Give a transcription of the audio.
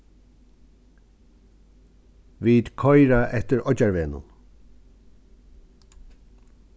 vit koyra eftir oyggjarvegnum